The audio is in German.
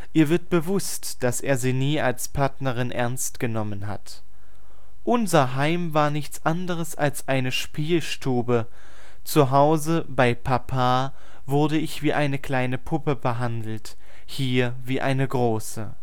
Ihr wird bewusst, dass er sie nie als Partnerin ernst genommen hat. „ Unser Heim war nichts andres als eine Spielstube. Zu Hause, bei Papa, wurde ich wie eine kleine Puppe behandelt, hier wie eine große